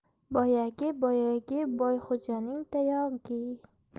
boyagi boyagi boyxo'janing tayog'i